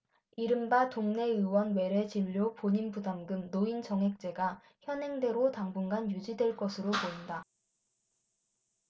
이른바 동네의원 외래진료 본인부담금 노인정액제가 현행대로 당분간 유지될 것으로 보인다